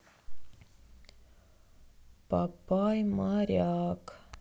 папай моряк